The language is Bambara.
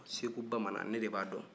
segu bamanan ne de b'a dɔn